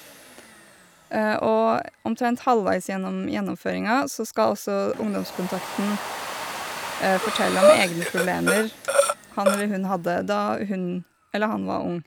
Og omtrent halvveis gjennom gjennomføringa så skal også ungdomskontakten fortelle om egne problemer han eller hun hadde da hun eller han var ung.